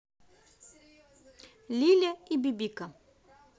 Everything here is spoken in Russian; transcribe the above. ляля и бибика